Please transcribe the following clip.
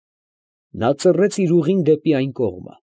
Նա ծռեց իր ուղին դեպի այն կողմը։